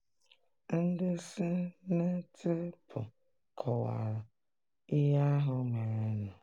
Ndị SNTP kọkwara ihe ahụ merenụ: